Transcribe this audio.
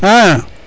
a